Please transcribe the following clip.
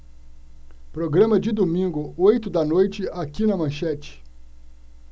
programa de domingo oito da noite aqui na manchete